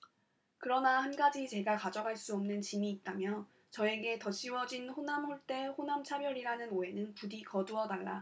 그러나 한 가지 제가 가져갈 수 없는 짐이 있다며 저에게 덧씌워진 호남홀대 호남차별이라는 오해는 부디 거두어 달라